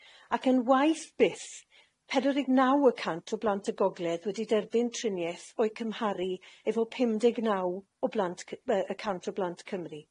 Ac yn waeth byth, pedwar deg naw y cant o blant y Gogledd wedi derbyn triniaeth, o'i cymharu efo pum deg naw o blant cy- yy y cant o blant Cymru.